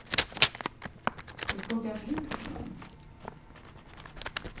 tú skuldi havt ringt til mín